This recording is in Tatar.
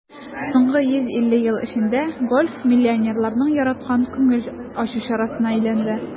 Соңгы 150 ел эчендә гольф миллионерларның яраткан күңел ачу чарасына әйләнде.